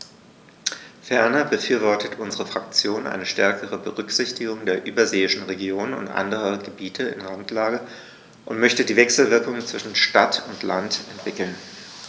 Ferner befürwortet unsere Fraktion eine stärkere Berücksichtigung der überseeischen Regionen und anderen Gebieten in Randlage und möchte die Wechselwirkungen zwischen Stadt und Land entwickeln.